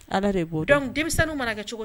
Ala de b'o dɔn donc denmisɛnninw mana kɛ cogo